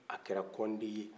a kɛra kɔnde ye